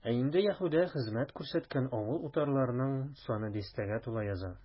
Ә инде Яһүдә хезмәт күрсәткән авыл-утарларның саны дистәгә тула яза.